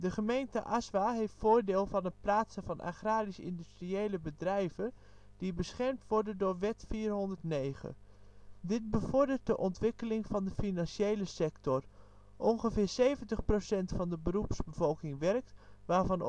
gemeente Azua heeft voordeel van het plaatsen van agrarisch-industriële bedrijven die beschermd worden door wet 409. Dit bevordert de ontwikkeling van de financiële sector. Ongeveer 70 % van de beroepsbevolking werkt, waarvan